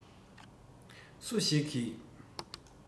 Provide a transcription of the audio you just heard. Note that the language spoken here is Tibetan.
སུ ཞིག གིས